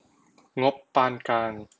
งบปานกลาง